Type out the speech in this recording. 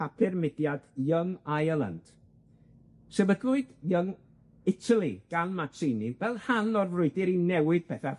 papur mudiad Young Ireland, sefydlwyd Young Italy gan Mazzini fel rhan o'r frwydyr i newid petha